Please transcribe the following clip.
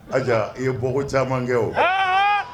Aja, i ye bɔ kocaman kɛ o!